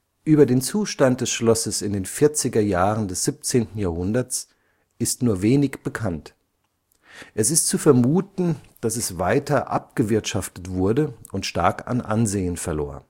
Über den Zustand des Schlosses in den 40er Jahren des 17. Jahrhunderts ist nur wenig bekannt. Es ist zu vermuten, dass es weiter abgewirtschaftet wurde und stark an Ansehen verlor